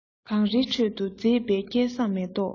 གངས རིའི ཁྲོད དུ མཛེས པའི སྐལ བཟང མེ ཏོག